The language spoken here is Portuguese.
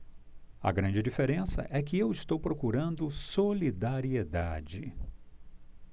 a grande diferença é que eu estou procurando solidariedade